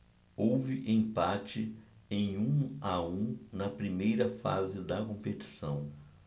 houve empate em um a um na primeira fase da competição